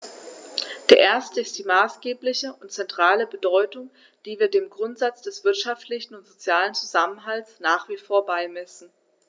Der erste ist die maßgebliche und zentrale Bedeutung, die wir dem Grundsatz des wirtschaftlichen und sozialen Zusammenhalts nach wie vor beimessen.